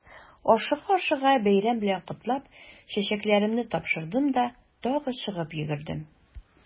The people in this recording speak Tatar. Ашыга-ашыга бәйрәм белән котлап, чәчәкләремне тапшырдым да тагы чыгып йөгердем.